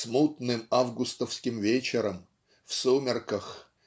Смутным августовским вечером в сумерках